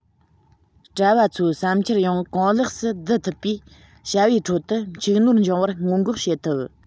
གྲྭ བ ཚོའི བསམ འཆར ཡང གང ལེགས སུ བསྡུ ཐུབ པས བྱ བའི ཁྲོད དུ འཕྱུག ནོར འབྱུང བར སྔོན འགོག བྱེད ཐུབ